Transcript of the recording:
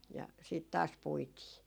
ja sitten taas puitiin